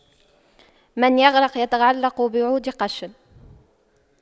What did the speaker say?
من يغرق يتعلق بعود قش